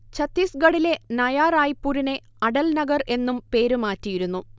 ഛത്തീസ്ഗഢിലെ നയാ റായ്പുരിനെ അടൽ നഗർ എന്നും പേരുമാറ്റിയിരുന്നു